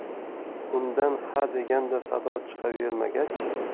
undan hadeganda sado chiqavermagach